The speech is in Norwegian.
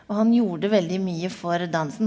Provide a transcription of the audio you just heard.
og han gjorde veldig mye for dansen.